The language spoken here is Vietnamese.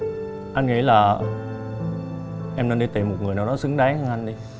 anh nghĩ là em nên đi tìm một người nào đó xứng đáng hơn anh đi